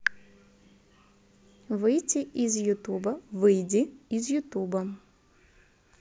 выйти из ютуба выйди из ютуба